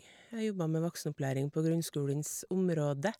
Jeg jobber med voksenopplæring på grunnskolens område.